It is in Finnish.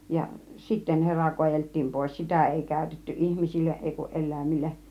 ja sitten hera kaadeltiin pois sitä ei käytetty ihmisille ei kun eläimille